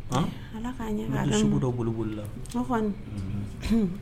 Han Ala k'a ɲɛ k'a d'an ma sugu dɔ bolibolila o kɔ ni unhun hun.